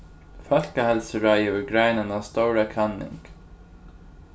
fólkaheilsuráðið hevur greinað eina stóra kanning